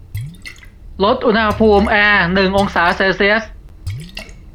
ลดอุณหภูมิแอร์หนึ่งองศาเซลเซียส